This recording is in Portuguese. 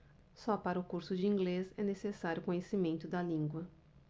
só para o curso de inglês é necessário conhecimento da língua